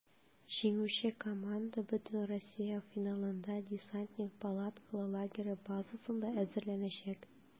Җиңүче команда бөтенроссия финалына "Десантник" палаткалы лагере базасында әзерләнәчәк.